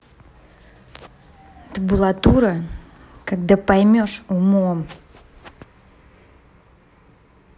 табулатура когда поймешь умом